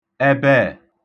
ẹbẹ ẹ̀